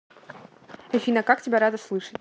афина как тебя рада слышать